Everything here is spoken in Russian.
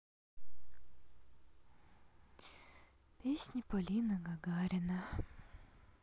песни полина гагарина